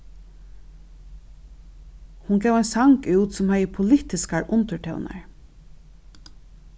hon gav ein sang út sum hevði politiskar undirtónar